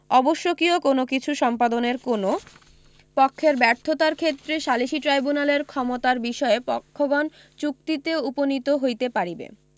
অবশ্যকীয় কোন কিছু সম্পাদনের কোন পক্ষের ব্যর্থতার ক্ষেত্রে সালিসী ট্রাইব্যুনালের ক্ষমতার বিষয়ে পক্ষগণ চুক্তিতে উপণীত হইতে পারিবে